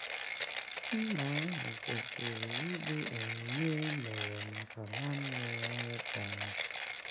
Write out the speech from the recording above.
Mma ahụ kwesịrị ịbụ onyinye e mere maka nwanne ya nwoke ahụ.